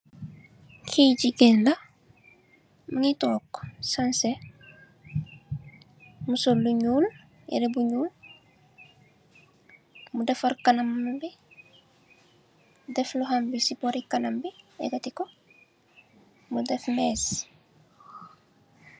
Kii jigeen la, mungi took sanseh, mu sol lu ñuul, yire bu ñuul, mu dafar kanamam bi, def lohambi si kanam bi yekatiko, mu def mees.